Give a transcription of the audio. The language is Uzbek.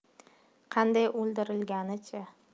qanday o'ldirilgani chi